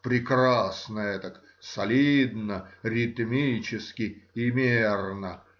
Прекрасно эдак, солидно, ритмически и мерно